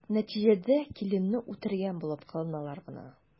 Нәтиҗәдә киленне үтергән булып кыланалар гына.